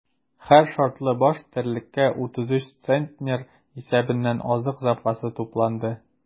Һәр шартлы баш терлеккә 33 центнер исәбеннән азык запасы тупланды.